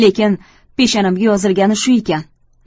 lekin peshonamga yozilgani shu ekan